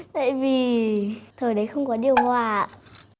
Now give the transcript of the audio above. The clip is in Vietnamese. tại vì thời đấy không có điều hòa